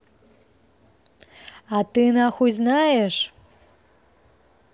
а ты нахуй знаешь